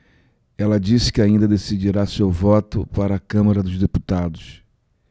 ela disse que ainda decidirá seu voto para a câmara dos deputados